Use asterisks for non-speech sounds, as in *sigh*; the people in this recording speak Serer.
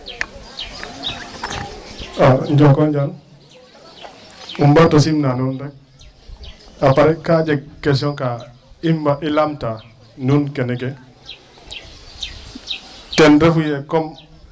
*noise* A jooko njal i ɓaat o simna nuun rek aprés ke jeg question ka in mat i laamta nuun kene ke ten refu yee comme